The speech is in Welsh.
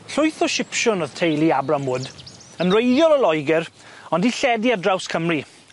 Llwyth o Sipsiwn o'dd teulu Abram Wood, yn wreiddiol o Loegr ond 'di lledu ar draws Cymru.